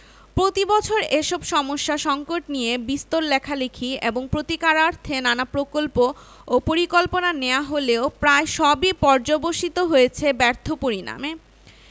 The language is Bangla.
প্রতিবছর এসব সমস্যা সঙ্কট নিয়ে বিস্তর লেখালেখি এবং প্রতিকারার্থে নানা প্রকল্প ও পরিকল্পনা নেয়া হলেও প্রায় সবই পর্যবসিত হয়েছে ব্যর্থ পরিণামে